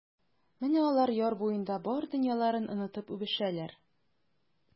Менә алар яр буенда бар дөньяларын онытып үбешәләр.